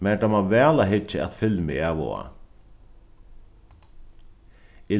mær dámar væl hyggja at filmi av og á